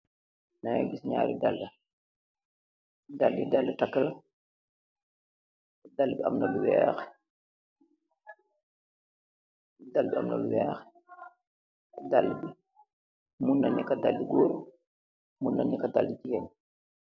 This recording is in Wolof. Mage giss nyari dalle, dalla yee dalle taka la dalla be amna lu weeh dalla amna lu weeh dalla la be munna neka dalle goor muna neka dalle jegain.